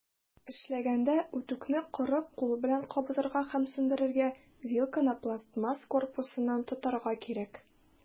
Эшләгәндә, үтүкне коры кул белән кабызырга һәм сүндерергә, вилканы пластмасс корпусыннан тотарга кирәк.